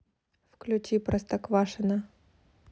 включи простоквашино